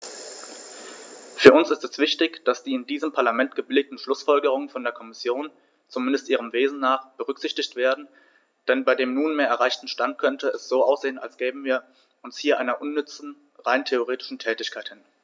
Für uns ist es wichtig, dass die in diesem Parlament gebilligten Schlußfolgerungen von der Kommission, zumindest ihrem Wesen nach, berücksichtigt werden, denn bei dem nunmehr erreichten Stand könnte es so aussehen, als gäben wir uns hier einer unnütze, rein rhetorischen Tätigkeit hin.